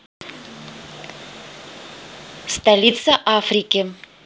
столица африки